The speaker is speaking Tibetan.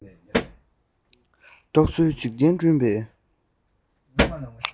རྟོག བཟོའི འཇིག རྟེན བསྐྲུན པའི